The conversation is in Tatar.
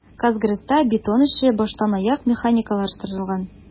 "казгрэс"та бетон эше баштанаяк механикалаштырылган.